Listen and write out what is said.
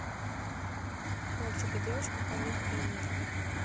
мальчик и девочка камиль и аминка